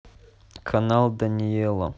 канал даниэла